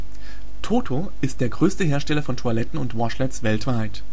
Hersteller von Toiletten und Washlets weltweit